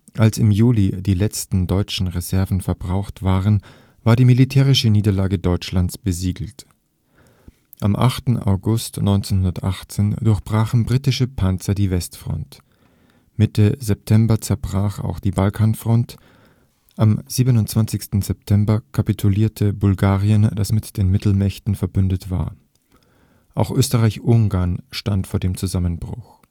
Als im Juli die letzten deutschen Reserven verbraucht waren, war die militärische Niederlage Deutschlands besiegelt. Am 8. August 1918 durchbrachen britische Panzer die Westfront; Mitte September zerbrach auch die Balkan-Front. Am 27. September kapitulierte Bulgarien, das mit den Mittelmächten verbündet war. Auch Österreich-Ungarn stand vor dem Zusammenbruch